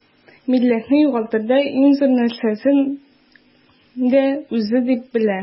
Милләтнең югалтырдай иң зур нәрсәсен дә үзе дип белә.